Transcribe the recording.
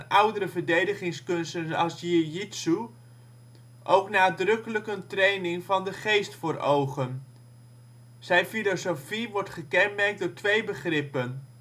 oudere verdedigingskunsten als jiujitsu, ook nadrukkelijk een training van de geest voor ogen. Zijn filosofie wordt gekenmerkt door twee begrippen